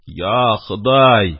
— йа, ходай,